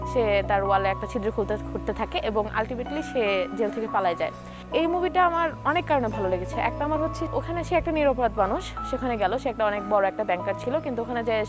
তার ওয়ালে একটি ছিদ্র ঘুরতে থাকে এবং আলটিমেটলি সে জেল থেকে পালিয়ে যায় এই মুভিটা আমার অনেক কারণে ভালো লেগেছে ১ নাম্বার হচ্ছে ওখানে এসে একটা নিরপরাধ মানুষ সে ওখানে গেল সে একটা অনেক বড় একটা ব্যাংকার ছিল কিন্তু ওখানে যেয়ে